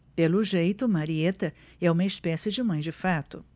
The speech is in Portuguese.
pelo jeito marieta é uma espécie de mãe de fato